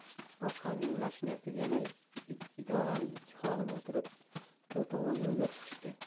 boshqonning mashinasiga yana idoraning ikki xodimi o'tirib to'rtovlon yo'lga chiqishdi